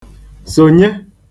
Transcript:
sònye